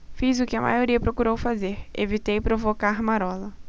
fiz o que a maioria procurou fazer evitei provocar marola